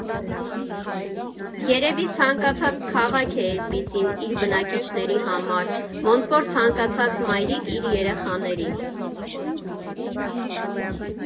Երևի ցանկացած քաղաք է էդպիսին իր բնակիչների համար, ոնց որ ցանկացած մայրիկ իր երեխաների։